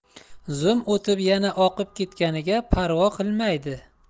zum o'tmay yana oqib ketganiga parvo qilmaydi